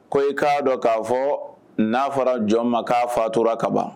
Ko i k'a dɔn k'a fɔ n'a fɔra jɔn ma k'a fatura kaban